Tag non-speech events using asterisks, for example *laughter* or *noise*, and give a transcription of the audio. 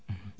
*hesitation* *hesitation*